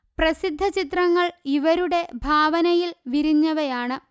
പ്രസിദ്ധ ചിത്രങ്ങൾ ഇവരുടെ ഭാവനയിൽ വിരിഞ്ഞവയാണ്